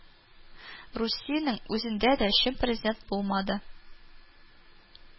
Русиянең үзендә дә чын президент булмады